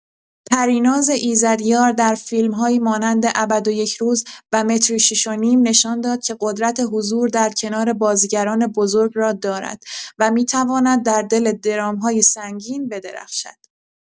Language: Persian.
پریناز ایزدیار در فیلم‌هایی مانند ابد و یک روز و متری شیش و نیم نشان داد که قدرت حضور در کنار بازیگران بزرگ را دارد و می‌تواند در دل درام‌های سنگین بدرخشد.